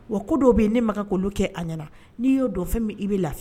Wa ko dɔ bɛ yen ni ma' kɛ a ɲɛna n'i y'o dɔn fɛn min i bɛ lafi